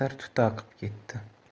battar tutaqib ketdi